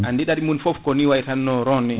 andi ɗaɗi mum foof ko ni way tan no rond ni